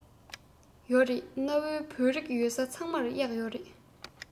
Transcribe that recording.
ཡོད རེད གནའ བོའི བོད རིགས ཡོད ས ཚང མར གཡག ཡོད རེད